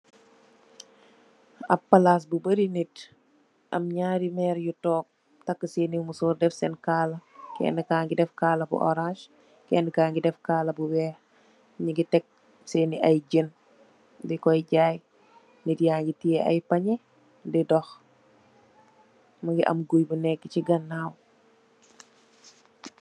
Ab palas bu baari nit, am nyari mer yu toog, tekk senni musor def sen kaala, kenne ka ngi def kaala bu oras, kenne ka ngi def kaala bu weex, nyingi teeg senni ay jen, dikoy jaay, nit yangi tiye ay panye, di dox, mingi am guuy bu nekk si ganaaw